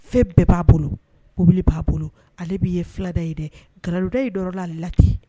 Fɛn bɛɛ ba bolo ,mɔbili ba bolo . Ale min ye filan na ye dɛ nga dɔn in nɔrɔla la ten.